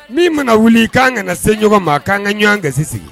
Min'i mana wuli k'an kana se ɲɔgɔn ma k'an ka ɲɔgɔn ga sigi